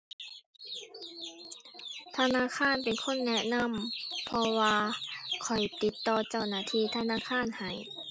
ธนาคารเป็นคนแนะนำ เพราะว่า ข้อยติดต่อเจ้าหน้าที่ธนาคารให้